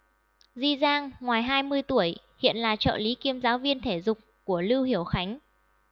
yi gang ngoài hai mươi tuổi hiện là trợ lý kiêm giáo viên thể dục của lưu hiểu khánh